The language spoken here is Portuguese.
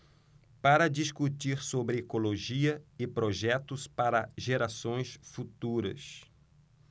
para discutir sobre ecologia e projetos para gerações futuras